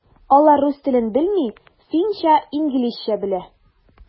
Алар рус телен белми, финча, инглизчә белә.